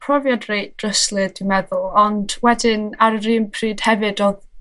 profiad rheit dryslyd dwi meddwl, ond wedyn, ar yr un pryd hefyd odd